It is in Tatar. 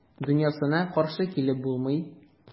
Дөньясына каршы килеп булмый.